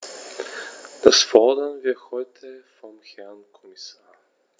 Das fordern wir heute vom Herrn Kommissar.